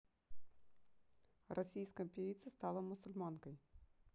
российская певица стала мусульманкой